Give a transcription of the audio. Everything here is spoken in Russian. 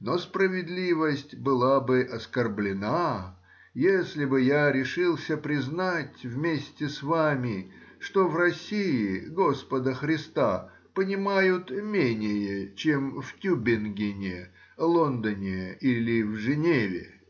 но справедливость была бы оскорблена, если бы я решился признать вместе с вами, что в России господа Христа понимают менее, чем в Тюбингене, Лондоне или Женеве.